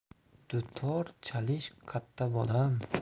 dutor chalish qatta bolam